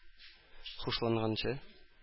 Хушланганчы